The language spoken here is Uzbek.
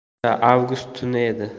o'sha avgust tuni edi